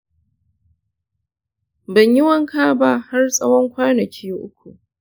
ban yi wanka ba har tsawon kwanaki uku.